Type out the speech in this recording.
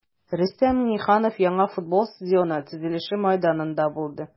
Рөстәм Миңнеханов яңа футбол стадионы төзелеше мәйданында булды.